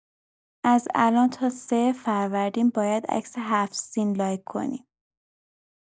از الان تا ۳ فروردین باید عکس هفت‌سین لایک کنیم!